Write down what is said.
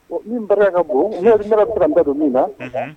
Wa minbarika ka bon, ɲɛ yɛrɛ bɛ se ka da don min na. Unhun